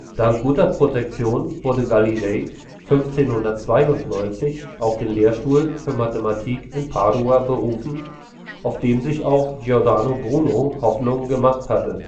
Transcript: Dank guter Protektion wurde Galilei 1592 auf den Lehrstuhl für Mathematik in Padua berufen, auf den sich auch Giordano Bruno Hoffnungen gemacht hatte